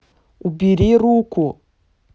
убери руку